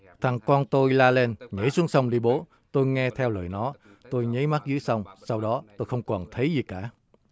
thằng con tôi la lên nhảy xuống sông đi bố tôi nghe theo lời nó tôi nháy mắt dưới sông sau đó tôi không còn thấy gì cả